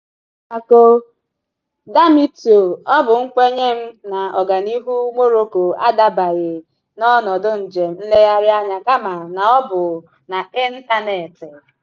[Vago Damitio:] Ọ bụ nkwenye m na ọganịhụ Morocco adabeghị n'ọnọdụ njem nlehgarị anya kama na ọ bụ n'ịntaneti.